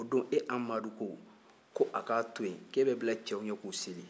o don e amadu ko ko a ka to yen ko e bɛ bila cɛw ɲɛ k'u seli